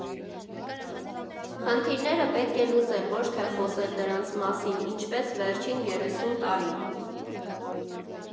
Խնդիրները պետք է լուծել, ոչ թե խոսել դրանց մասին՝ ինչպես վերջին երեսուն տարին։